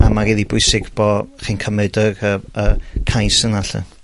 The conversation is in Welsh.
a mae rili i bwysig bo' chi'n cymyd y chy- y cais yna 'lly.